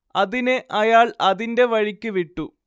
അതിനെ അയാൾ അതിന്റെ വഴിക്ക് വിട്ടു